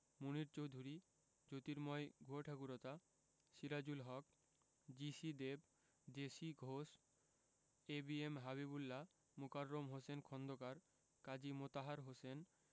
Munir Chowdhury Jyotirmoy Guhathakurta Sirajul Haq G C Dev J C Ghosh A B M Habibullah Mokarram Hossain Khondakar Kazi Motahar Hossain